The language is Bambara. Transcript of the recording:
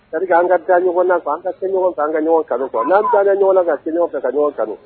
Ri an ka da ɲɔgɔn na kan an ka se ɲɔgɔn kan an ka ɲɔgɔn kanu fɔ anan da an ka ɲɔgɔn la ka se ɲɔgɔn fɛ ka ɲɔgɔn kanu